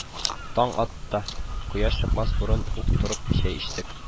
Таң атта, кояш чыкмас борын ук торып чәй эчтек